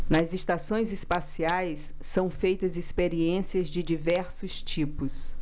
nas estações espaciais são feitas experiências de diversos tipos